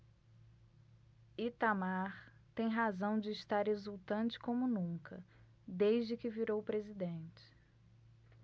itamar tem razão de estar exultante como nunca desde que virou presidente